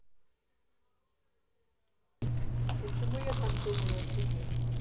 почему я так думаю о тебе